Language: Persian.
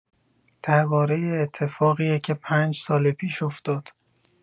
درباره اتفاقیه که پنج سال پیش‌افتاد.